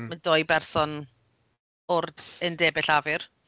Mae dou berson o'r Undebau Llafur